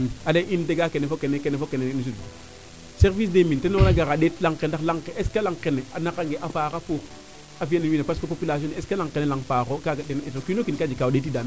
a ley in degat kene fo kene mbisidun service des mines tena gara ndet laŋ ke ndax laŋ ke est ce que laŋ kene a naqa nge a faaxa pour a fiya nel wiin we parce que population ne est ce que leŋ kene laŋ paaxo kaaga ten i ndeti du o kiino kiin ka jeg ka o ndeetida meen